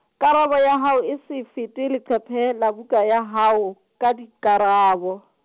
karabo ya hao e se fete leqephe la buka ya hao, ka dikarabo.